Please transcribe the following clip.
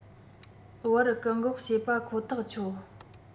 བར བཀག འགོག བྱས པ ཁོ ཐག ཆོད